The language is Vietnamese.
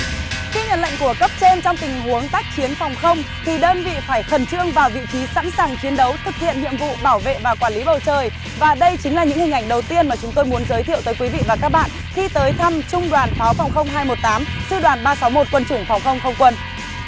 khi nhận lệnh của cấp trên trong tình huống tác chiến phòng không thì đơn vị phải khẩn trương vào vị trí sẵn sàng chiến đấu thực hiện nhiệm vụ bảo vệ và quản lý bầu trời và đây chính là những hình ảnh đầu tiên mà chúng tôi muốn giới thiệu tới quý vị và các bạn khi tới thăm trung đoàn pháo phòng không hai một tám sư đoàn ba sáu một quân chủng phòng không không quân